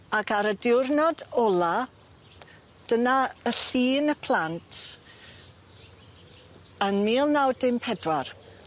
Ac ar y diwrnod ola dyna y llun y plant yn mil naw dim pedwar.